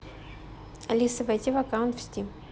алиса войти в аккаунт в steam